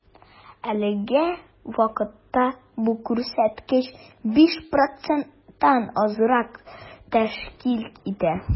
Әлеге вакытта бу күрсәткеч 5 проценттан азрак тәшкил итә.